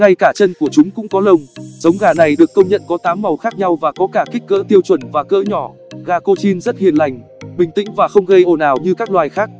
ngay cả chân của chúng cũng có lông giống gà này được công nhận có màu khác nhau và có cả kích cỡ tiêu chuẩn và cỡ nhỏ gà cochin rất hiền lành bình tĩnh và không gây ồn ào như các loài khác